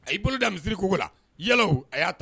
A' bolo da misisiriri kogo la yala a y'a